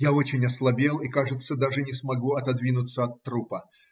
Я очень ослабел и, кажется, даже не смогу отодвинуться от трупа.